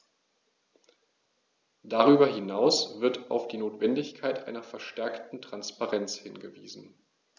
Darüber hinaus wird auf die Notwendigkeit einer verstärkten Transparenz hingewiesen.